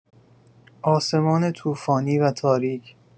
آسمان طوفانی و تاریک